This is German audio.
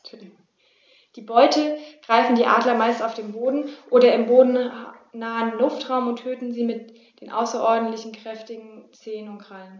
Die Beute greifen die Adler meist auf dem Boden oder im bodennahen Luftraum und töten sie mit den außerordentlich kräftigen Zehen und Krallen.